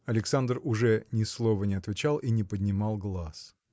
Александр уже ни слова не отвечал и не поднимал глаз.